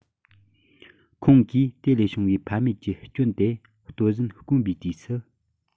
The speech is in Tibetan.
ཁོང གིས དེ ལས བྱུང བའི ཕན མེད ཀྱི སྐྱོན དེ ལྟོ ཟན དཀོན པའི དུས སུ